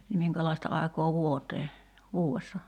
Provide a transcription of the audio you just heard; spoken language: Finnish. niin minkälaista aikaa vuoteen vuodessa